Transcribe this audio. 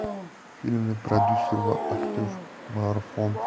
filmni prodyuser va aktyor ma'rufxon